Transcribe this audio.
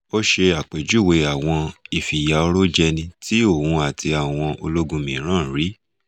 Ó ṣe àpèjúwe àwọn ìfìyàorójẹni tí òun pẹ̀lú àwọn ológun mìíràn rí: